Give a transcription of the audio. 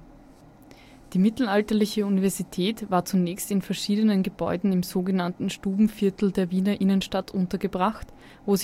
mittelalterliche Universität war zunächst in verschiedenen Gebäuden im so genannten Stubenviertel der Wiener Innenstadt untergebracht, wo